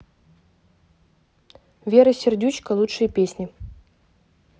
вера сердючка лучшие песни